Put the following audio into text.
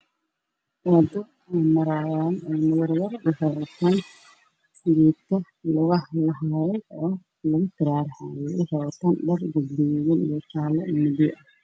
Waa wado waxa maraya gaari madow